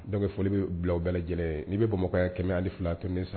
Donc foli bɛ bila u bɛɛ lajɛlen n'i bɛ Bamakɔya 102 tomi